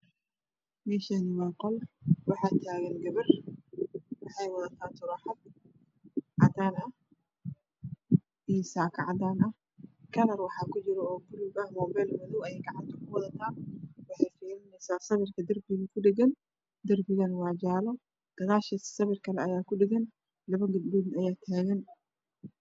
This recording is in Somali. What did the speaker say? Meshani waa ol waaa tahyn gabar wexeey wadataa turaxad cadan ah iyo aaka cadan ah kalar waxaa ku jira buluug ah mobel madow ayeey gacanta ku wadataa wexeey firineysaa sawirka derbiga ku dhegan derbigana waa jalo gadashisa sawir kale ayaa ku dhexan laba gabdhood ayaa tagan